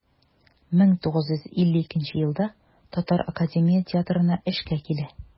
1952 елда татар академия театрына эшкә килә.